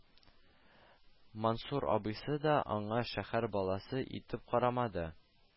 Мансур абыйсы да аңа шәһәр баласы итеп карамады